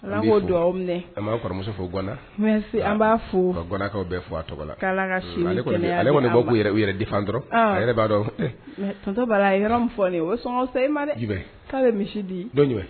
O an b'amuso fo ganna an b'a fo kakaw bɛɛ fo a tɔgɔ la kɔni'u yɛrɛ di dɔrɔn b'a dɔn fɔ k'a bɛ misi di